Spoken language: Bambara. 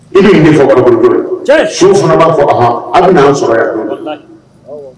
I bi nin de fɔ ka don bori bori la tiɲɛ sow fana b'a fɔ anhan a' ben'an sɔrɔ yannɔ walahi awɔ